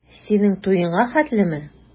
Синең туеңа хәтлеме?